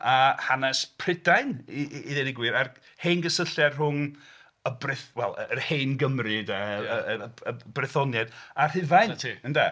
A hanes Prydain, i ddeud y gwir, a'r hen gysylltiad rhwng y Bryth- wel yr hen Gymry 'de, y- y- Brythoniaid a Rhufain, ynde.